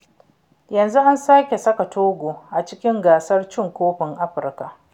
Yanzu an sake saka Togo a cikin Gasar Cin Kofin Afirka.